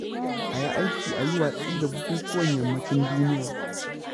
A yi aiki a yi watsi da bukukuwan Yammacin Duniya.